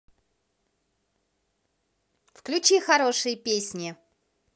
включи хорошие песни